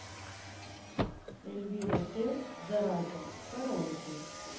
эльвира т зараза караоке